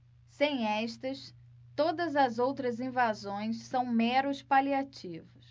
sem estas todas as outras invasões são meros paliativos